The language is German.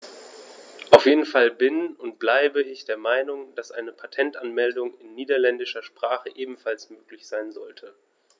Auf jeden Fall bin - und bleibe - ich der Meinung, dass eine Patentanmeldung in niederländischer Sprache ebenfalls möglich sein sollte.